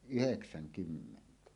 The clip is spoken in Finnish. yhdeksänkymmentä